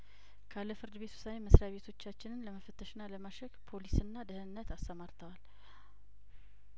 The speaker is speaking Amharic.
ካለፍርድ ቤት ውሳኔ መስሪያ ቤቶቻችንን ለመፈተሽና ለማሸግ ፖሊስና ደህንነትን አሰማርተዋል